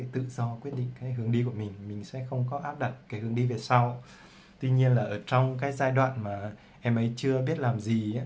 sau đó em ấy sẽ tự do quyết định hướng đi của mình mình sẽ không áp đặt hướng đi về sau tuy nhiên ở trong giai đoạn em ấy chưa biết làm gì